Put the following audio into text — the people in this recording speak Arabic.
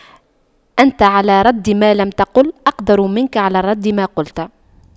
أنت على رد ما لم تقل أقدر منك على رد ما قلت